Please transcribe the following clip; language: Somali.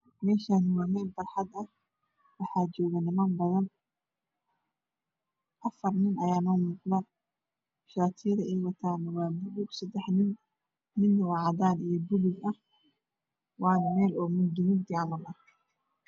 Meshan waa meel barxad ah waxaa joogo niman badan afar nin ayaa nomoqdo shaatiyada ay wataan waa buloog sadexnin mid waa cadaan iyo bog waane meel mugdiah